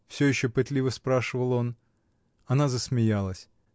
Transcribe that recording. — всё еще пытливо спрашивал он. Она засмеялась.